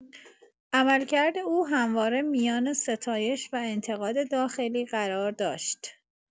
عملکرد او همواره میان ستایش و انتقاد داخلی قرار داشت.